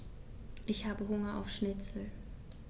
Ich habe Hunger auf Schnitzel.